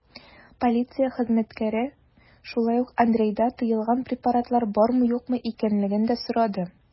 Полиция хезмәткәре шулай ук Андрейда тыелган препаратлар бармы-юкмы икәнлеген дә сорады.